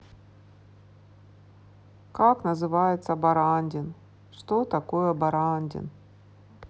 как называется барандин что такое барандин